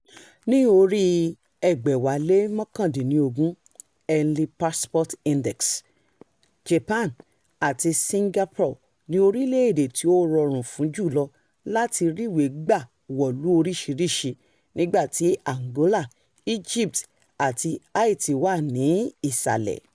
Ní oríi 2019 Henley Passport Index, Japan àti Singapore ni orílẹ̀-èdè tí ó rọrùn fún jù lọ láti ríwèé gbà wọ̀lú oríṣìíríṣi, nígbàtí Angola, Egypt àti Haiti wà ní ìsàlẹ̀.